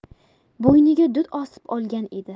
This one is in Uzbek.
bo'yniga dur osib olgan edi